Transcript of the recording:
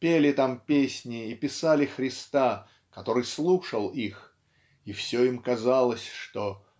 пели там песни и писали Христа который слушал их и все им казалось что .